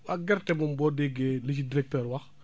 waa gerte moom boo déggee li ci directeur wax